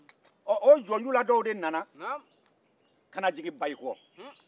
ɔ o jɔnjula dow de nana kana jigi bayiko